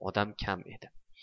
odam kam edi